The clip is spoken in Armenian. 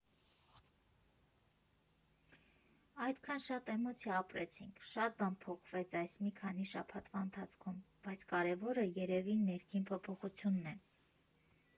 Այդքան շատ էմոցիա ապրեցինք, շատ բան փոխվեց այս մի քանի շաբաթվա ընթացքում, բայց կարևորը երևի ներքին փոփոխությունն է։